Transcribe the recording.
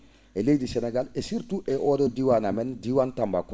e leydi Sénégal e surtout oo ?oo diiwaan amen diiwaan Tambacounda